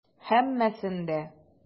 Һәммәсен дә.